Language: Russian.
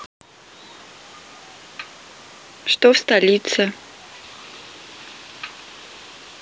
что в столице